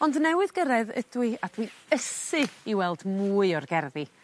Ond newydd gyrredd ydw i a dwi ysu i weld mwy o'r gerddi.